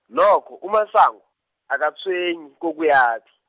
nokho uMasango, akatshwenyi kokuyaphi.